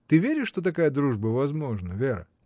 Ты веришь, что такая дружба возможна, Вера?